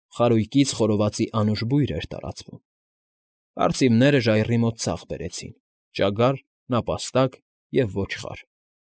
Խարույկից խորովածի անուշ բույր էր տարածվում։ Արծիները ժայռի մոտ ցախ բերեցին, ճագար, նապաստակ և ոչխար։